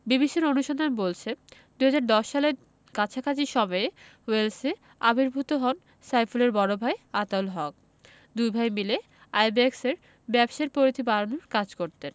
বিবিসির অনুসন্ধান বলছে ২০১০ সালের কাছাকাছি সময়ে ওয়েলসে আবির্ভূত হন সাইফুলের বড় ভাই আতাউল হক দুই ভাই মিলে আইব্যাকসের ব্যবসার পরিধি বাড়ানোর কাজ করতেন